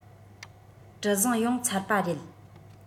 གྲུ གཟིངས ཡོངས ཚར པ རེད